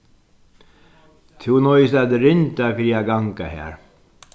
tú noyðist at rinda fyri at ganga har